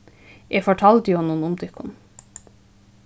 eg fortaldi honum um tykkum